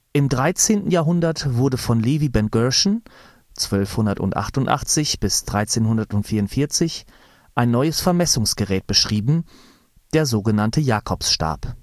Im 13. Jahrhundert wurde von Levi ben Gershon (1288 – 1344) ein neues Vermessungsgerät beschrieben, der sogenannte Jakobsstab